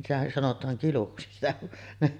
se sitä sanotaan kiluksi sitä